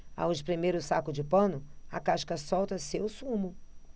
ao espremer o saco de pano a casca solta seu sumo